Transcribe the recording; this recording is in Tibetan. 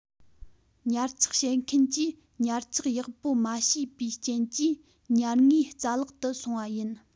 ཉར ཚགས བྱེད མཁན གྱིས ཉར ཚགས ཡག པོ མ བྱས པའི རྐྱེན གྱིས ཉར དངོས རྩ བརླག དུ སོང བ ཡིན